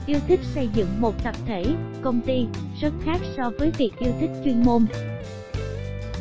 yêu thích xây dựng một tập thể công ty rất khác so với việc yêu thích chuyên môn